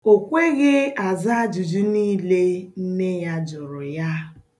O kweghị aza ajụjụ niile nne ya jụrụ ya.